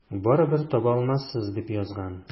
Барыбер таба алмассыз, дип язган.